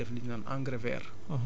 loolu boo ko munee baax na